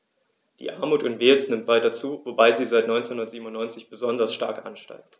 Die Armut in Wales nimmt weiter zu, wobei sie seit 1997 besonders stark ansteigt.